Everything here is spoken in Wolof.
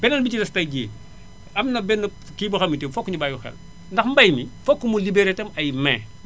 beneen bi ci des tay jii am na benn kii boo xam ne tay fokk ñu bàyyi ko xel ndax mbay mi fokk mu libéré tam ay mains